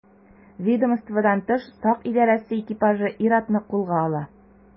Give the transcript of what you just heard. Ведомстводан тыш сак идарәсе экипажы ир-атны кулга ала.